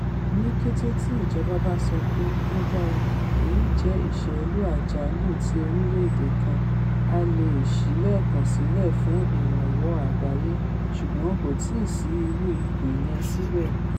Ní kété tí ìjọba bá sọ pé, ''Ó dára, èyí jẹ́ ìṣẹ̀lù àjálù ti orílẹ̀-èdè kan,'' a leè sílẹ̀kùn sílẹ̀ fún ìrànwọ́ àgbáyé ṣùgbọ́n kò tìí sí irú ipò yẹn síbẹ̀.